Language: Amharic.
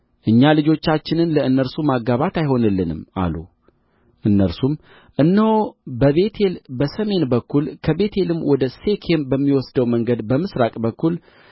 እኛ ልጆቻችንን ለእነርሱ ማጋባት አይሆንልንም አሉ እነርሱም እነሆ በቤቴል በሰሜን በኩል ከቤቴልም ወደ ሴኬም በሚወስደው መንገድ በምሥራቅ በኩል